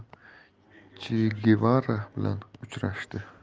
che gevara bilan uchrashdi